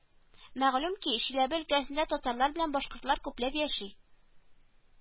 Мәгълүм ки, Чиләбе өлкәсендә татарлар белән башкортлар күпләп яши